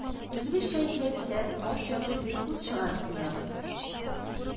Үзебезчә итеп әйтсәк, каш ясыйм дип, күз чыгарып куябыз.